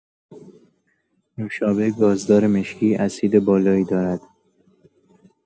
نوشابه گازدار مشکی اسید بالایی دارد.